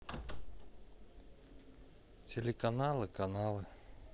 телеканалы каналы